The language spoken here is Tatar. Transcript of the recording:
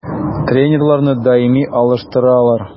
Тренерларны даими алыштыралар.